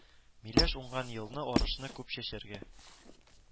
Миләш уңган елны арышны күп чәчәргә